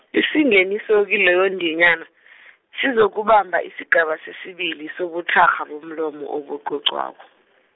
isingeniso kileyondinyana , sizokubamba isigaba sesibili sobuthakgha bomlomo obucocwako.